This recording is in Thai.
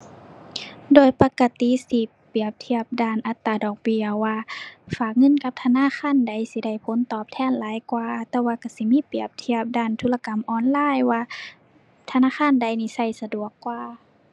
โดยปกติสิเปรียบเทียบด้านอัตราดอกเบี้ยว่า ฝากเงินกับธนาคารใดสิได้ผลตอบแทนหลายกว่า แต่ว่าก็สิมีเปรียบเทียบด้านธุรกรรมออนไลน์ ว่าธนาคารใดนี่ก็สะดวกกว่า